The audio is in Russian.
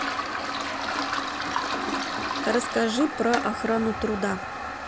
расскажи про охрану труда